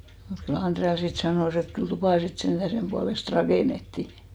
mutta kyllä Andrea sitten sanoi että kyllä tupa sitten sentään sen puolesta rakennettiin